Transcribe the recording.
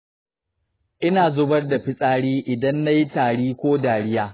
ina zubar da fitsari idan na yi tari ko dariya.